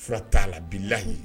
Fura ta la bilahi.